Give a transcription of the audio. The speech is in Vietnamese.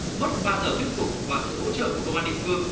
mất ba giờ thuyết phục và sự hỗ trợ của công an địa phương